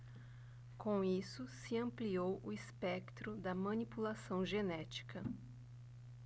com isso se ampliou o espectro da manipulação genética